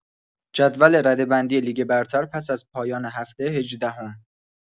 جدول رده‌بندی لیگ برتر پس‌از پایان هفته هجدهم